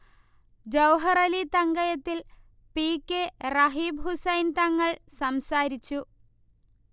ജൗഹറലി തങ്കയത്തിൽ, P. K. Rabeeh Hussain Thangal സംസാരിച്ചു